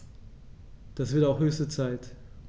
Das wird auch höchste Zeit!